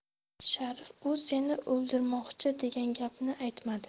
sharif u seni o'ldirmoqchi degan gapni aytmadi